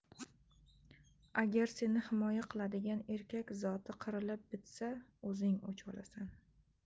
agar seni himoya qiladigan erkak zoti qirilib bitsa o'zing o'ch olasan